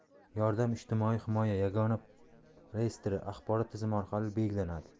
yordam ijtimoiy himoya yagona reyestri axborot tizimi orqali belgilanadi